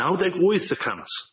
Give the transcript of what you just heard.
Naw deg wyth y cant.